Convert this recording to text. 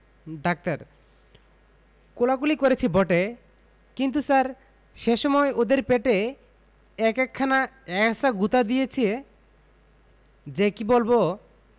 doctor কোলাকুলি করেছি বটে কিন্তু স্যার সে সময় ওদের পেটে এক একখানা এ্যায়সা গুঁতো দিয়েছে যে কি বলব